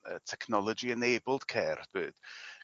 y technology enabled care byd-